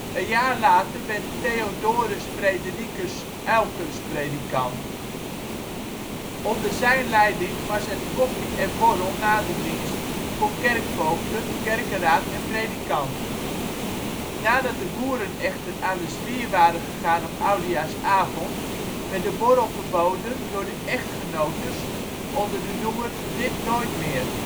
Een jaar later werd Theodorus Fredericus Uilkens predikant. Onder zijn leiding was er koffie en borrel na de dienst voor kerkvoogden, kerkenraad en predikant. Nadat de boeren echter aan de zwier waren gegaan op oudejaarsavond werd de borrel verboden door de echtgenotes onder de noemer " dit nooit meer